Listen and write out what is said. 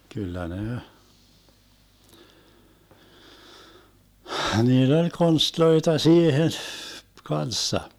kyllä ne niillä oli konsteja siihen kanssa